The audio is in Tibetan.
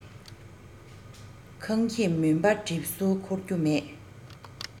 ཁང ཁྱིམ མུན པ གྲིབ སོ འཁོར རྒྱུ མེད